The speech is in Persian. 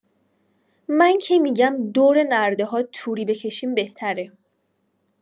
من که می‌گم دور نرده‌ها توری بکشیم بهتره.